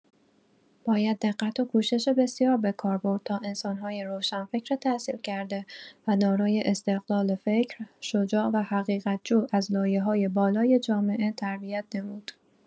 باید دقت و کوشش بسیار به کار برد تا انسان‌های روشنفکر تحصیل‌کرده و دارای استقلال فکر - شجاع و حقیقت‌جو، از لایه‌های بالای جامعه تربیت نمود.